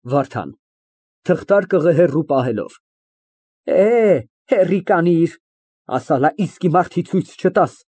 ՎԱՐԴԱՆ ֊ (Թղթարկղը հեռու պահելով) Հե, հե, հեռի կաննիր, ասալ ա իսկի մարդի ցոյց չտաս։